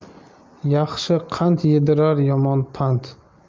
yaxshi qand yedirar yomon pand